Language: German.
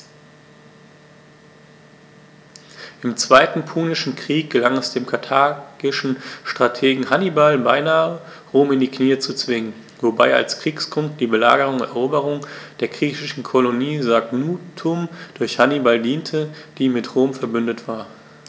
Im Zweiten Punischen Krieg gelang es dem karthagischen Strategen Hannibal beinahe, Rom in die Knie zu zwingen, wobei als Kriegsgrund die Belagerung und Eroberung der griechischen Kolonie Saguntum durch Hannibal diente, die mit Rom „verbündet“ war.